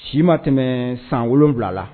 Si ma tɛmɛ san wolonwula la